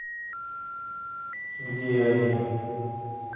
где они